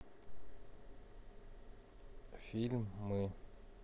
фильм мы